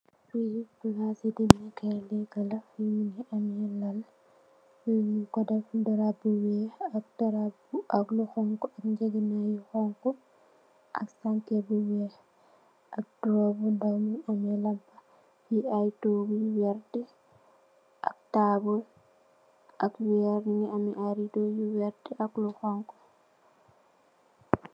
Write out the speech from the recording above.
Li palasi demekaay leka la mungi ame lal. Fi nyung ku def darap bu weex ak lu xonxo, ak ngegenai yu xonxo, ak sangkeh bu weex. Ak togu bu ndaw mungi ame lampa. Fi ay togu yu werta, ak tabul, ak weer yu am lu werta al lu xonxo.